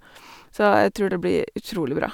Så jeg tror det blir utrolig bra.